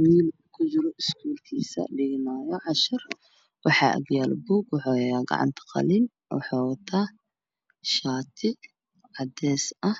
Will kujiro iskoolkiisa dhiganayo casharkiisa waxaa ag yaalo book waxuu hayaa qalin waxuu wadtaa shaati cadees ah